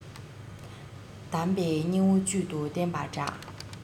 གདམས པའི སྙིང བོ བཅུད དུ བསྟེན པ འདྲ